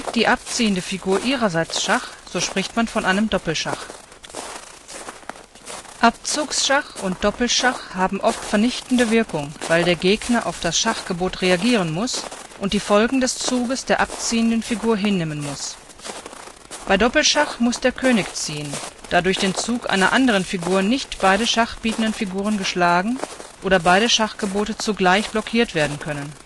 die abziehende Figur ihrerseits Schach, so spricht man von einem Doppelschach. Abzugsschach und Doppelschach haben oft vernichtende Wirkung, weil der Gegner auf das Schachgebot reagieren muss und die Folgen des Zuges der abziehenden Figur hinnehmen muss. Bei Doppelschach muss der König ziehen, da durch den Zug einer anderen Figur nicht beide schachbietenden Figuren geschlagen oder beide Schachgebote zugleich blockiert werden können